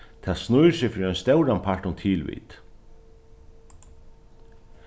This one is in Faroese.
tað snýr seg fyri ein stóran part um tilvit